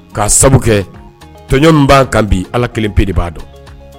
K'a sababu kɛ toɲɔgɔn min b'a kan bi allah kelen pe de b'a dɔn